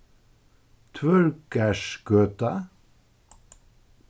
tvørgarðsgøta